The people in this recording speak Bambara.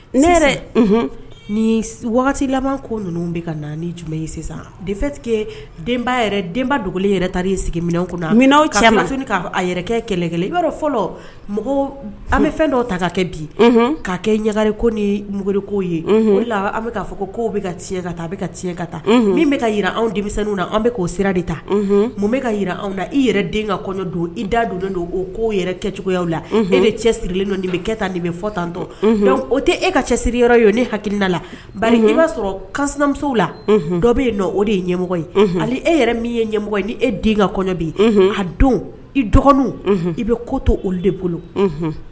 Ne yɛrɛ ni wagati laban ko ninnu bɛ ka jumɛn ye sisan defe denbaya denba dogolen yɛrɛ ta sigimin kun cɛ yɛrɛ kɛ kɛlɛkɛ i' fɔlɔ mɔgɔ an bɛ fɛn dɔw ta ka kɛ bi k'a kɛ ɲagagare ko ni muguri kow ye olu an bɛ k'a fɔ ko kow bɛ ka tiɲɛ ka taa bɛ ka tiɲɛ ka taa min bɛ ka yi anw denmisɛnninmiw na anw bɛ k' o sira de ta mun bɛ ka yi anw la i yɛrɛ den ka kɔɲɔ don i da don don o ko yɛrɛ kɛcogoya la e bɛ cɛ sirilen nɔ bɛ kɛ tan nin bɛ fɔ tantɔn o tɛ e ka cɛ siriyɔrɔ ye ne hakilikiina la ɲɛ sɔrɔmuso la dɔ bɛ o de ye ɲɛmɔgɔ ye ani e yɛrɛ min ye ɲɛmɔgɔ ye ni e den ka kɔɲɔ bɛ a don i dɔgɔninw i bɛ ko to olu de bolo